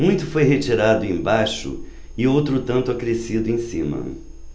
muito foi retirado embaixo e outro tanto acrescido em cima